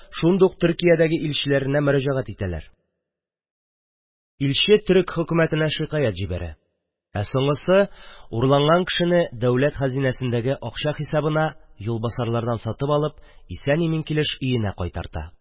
Шундук төркиядәге илчеләренә мөрәҗәгать итәләр, илче төрек хөкүмәтенә шикәят җибәрә, ә соңгысы урланган кешене дәүләт хәзинәсендәге акча хисабына юлбасарлардан сатып алып, исән-имин килеш өенә кайтарта...